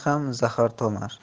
ham zahar tomar